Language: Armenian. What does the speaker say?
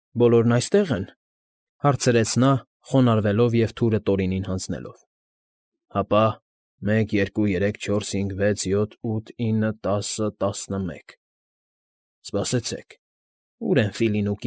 Բոլորն այստե՞ղ են,֊ հարցրեց նա՝ խոնարհվելով և թուրը Տորինին հանձնելով։֊ Հապա՝ մեկ, երկու, երեք, չորս, հինգ, վեց, յոթ, ութ, ինը, տաս, տասնմեկ… սպասեցեք, ո՞ւր են Ֆիլին ու։